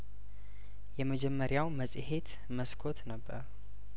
የመጀመሪያው መጽሄት መስኮት ነበር